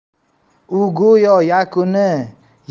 u go'yo yukini